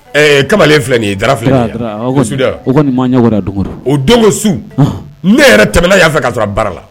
Ɛɛ kamalen filɛ nin ye dafi su o don su ne yɛrɛ tɛmɛna y'a fɛ ka taa bara la